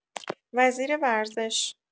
وزیر ورزش